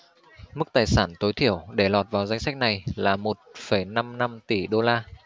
mức tài sản tối thiểu để lọt vào danh sách này là một phẩy năm năm tỷ đô la